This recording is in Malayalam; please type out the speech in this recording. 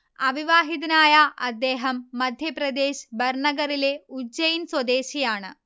അവിവാഹിതനായ അദ്ദേഹം മധ്യപ്രദേശ് ബർണഗറിലെ ഉജ്ജയിൻ സ്വദേശിയാണ്